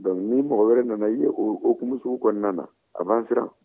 donc ni mɔgɔ wɛrɛ nana ye o hukumu sugu kɔnɔna na a bɛ an siran